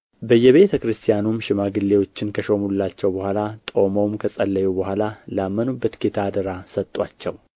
በየቤተ ክርስቲያኑም ሽማግሌዎችን ከሾሙላቸው በኋላ ጦመውም ከጸለዩ በኋላ ላመኑበት ለጌታ አደራ ሰጡአቸው